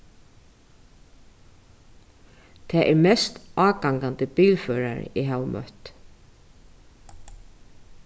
tað er mest ágangandi bilførari eg havi møtt